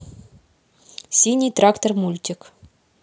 синий трактор мультик